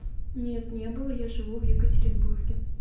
нет не было я живу в екатеринбурге